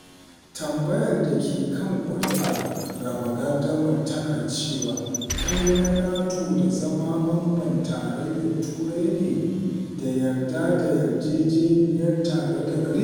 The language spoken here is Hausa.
Tambayar da ke kan kuri’ar raba gardamar tana cewa: “Kai na NATO da zama mamban Tarayyar Turai ne da yarda da yarjejeniyar tare da Greece.”